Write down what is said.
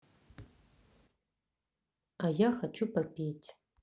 а я хочу попеть